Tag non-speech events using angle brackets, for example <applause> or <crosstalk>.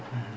<hesitation> <hesitation>